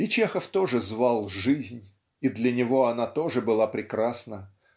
И Чехов тоже звал жизнь, и для него она тоже была прекрасна.